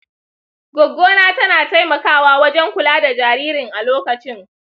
goggona tana taimakawa wajen kula da jaririn a lokacin.